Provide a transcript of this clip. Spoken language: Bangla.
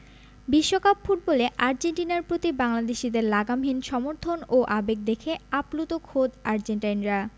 বিশ্বকাপ ফুটবলে আর্জেন্টিনার প্রতি বাংলাদেশিদের লাগামহীন সমর্থন ও আবেগ দেখে আপ্লুত খোদ আর্জেন্টাইনরা